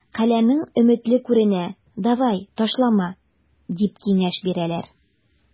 Каләмең өметле күренә, давай, ташлама, дип киңәш бирәләр.